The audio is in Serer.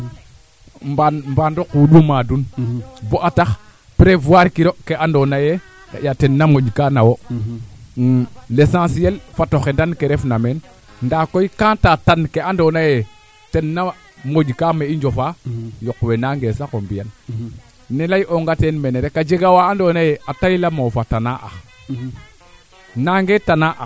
o coyin ga'kino te duuf o fasongo leŋ no qol ga'a ba naas na areer ba pare manaam xana donaak kam fee ɓasi so xana yip kam fee a ñaaw yeete duufan so xana duufin fasaaɓ no qolo leŋo le o xota nga teen a areer xotit teena ñaaw